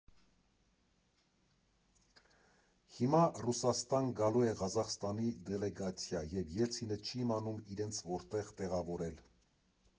Հիմա Ռուսաստան գալու է Ղազախստանի դելեգացիա, և Ելցինը չի իմանում իրենց որտեղ տեղավորել։